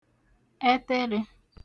ẹtə̣rə̣̄